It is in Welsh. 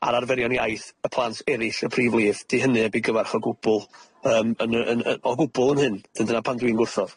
a'r arferion iaith y plant erill y prif lif 'di hynny heb 'i gyfarch o gwbwl yym yn y yn yy o gwbwl yn hyn, 'dyn dyna pam dwi'n gwrthod.